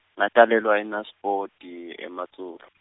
Latalelwa e- Naspoti eMatsulu.